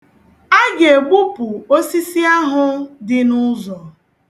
A ga-egbupụ osisi ahụ dị n'ụzọ.